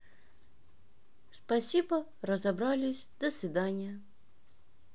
спасибо разобрали до свидания